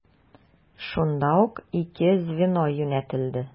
Шунда ук ике звено юнәтелде.